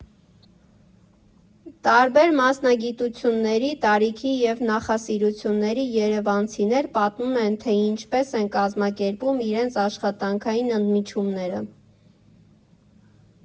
Տարբեր մասնագիտությունների, տարիքի և նախասիրությունների երևանցիներ պատմում են, թե ինչպես են կազմակերպում իրենց աշխատանքային ընդմիջումները։